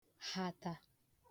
ghatà